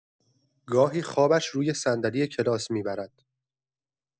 گاهی خوابش روی صندلی کلاس می‌برد.